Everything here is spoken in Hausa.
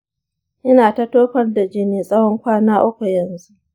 ina ta tofar da jini tsawon kwana uku yanzu.